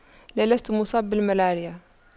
لا لست مصاب بالملاريا